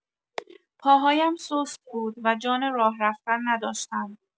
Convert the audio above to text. پاهایم سست بود و جان راه‌رفتن نداشتم.